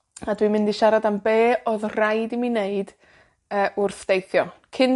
A dwi'n mynd i siarad am be' odd rhaid i mi wneud yy wrth deithio, cyn